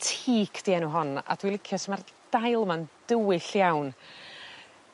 Teak 'di enw hon a dwi licio 's ma'r dail yma'n dywyll iawn.